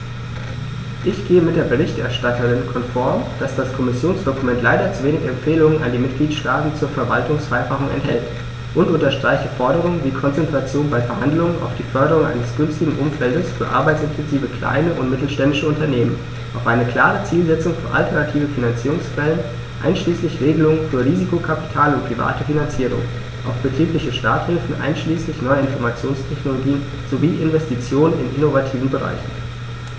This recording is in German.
Ich gehe mit der Berichterstatterin konform, dass das Kommissionsdokument leider zu wenig Empfehlungen an die Mitgliedstaaten zur Verwaltungsvereinfachung enthält, und unterstreiche Forderungen wie Konzentration bei Verhandlungen auf die Förderung eines günstigen Umfeldes für arbeitsintensive kleine und mittelständische Unternehmen, auf eine klare Zielsetzung für alternative Finanzierungsquellen einschließlich Regelungen für Risikokapital und private Finanzierung, auf betriebliche Starthilfen einschließlich neuer Informationstechnologien sowie Investitionen in innovativen Bereichen.